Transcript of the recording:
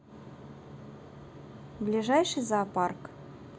ближайший зоопарк